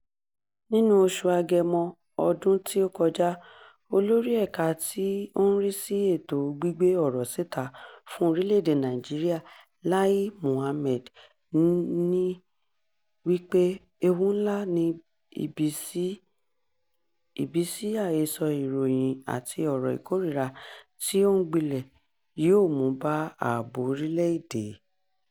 Nínúu oṣù Agẹmọ ọdún-un tí ó kọ́ja, Olórí Ẹ̀ka tí ó ń rí sí Ètò Gbígbé Ọ̀rọ̀ Síta fún Orílẹ̀-èdè Nàìjíríà Láí Mohammed ní wípé ewu ńlá ni ìbísí àhesọ ìròyìn àti ọ̀rọ̀ ìkórìíra tí ó ń gbilẹ̀ yóò mú bá ààbò orílẹ̀-èdè.